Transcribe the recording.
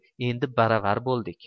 endi baravar bo'ldik